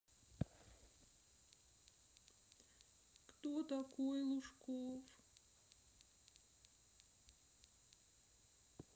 кто такой лужков